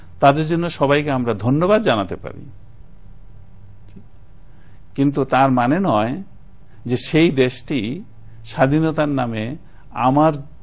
তাদের জন্য সবাইকে আমরা ধন্যবাদ জানাতে পারি কিন্তু তার মানে নয় যে সেই দেশটি স্বাধীনতার নামে আমার